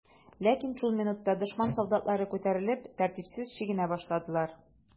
Ләкин шул минутта дошман солдатлары күтәрелеп, тәртипсез чигенә башладылар.